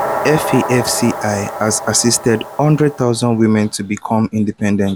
FAFCI has assisted 100,000 women to become independent.